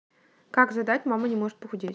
как задать мама не может похудеть